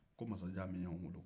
ko masajan min y'anw wolo